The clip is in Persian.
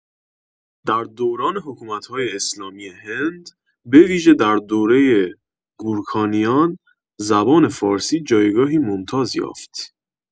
در دوران حکومت‌های اسلامی هند، به‌ویژه در دوره گورکانیان، زبان فارسی جایگاهی ممتاز یافت.